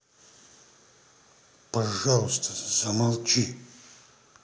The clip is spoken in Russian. пожалуйста замолчи